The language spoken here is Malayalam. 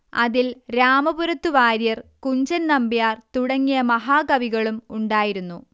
അതിൽ രാമപുരത്തു വാര്യർ കുഞ്ചൻ നമ്പ്യാർ തുടങ്ങിയ മഹാകവികളും ഉണ്ടായിരുന്നു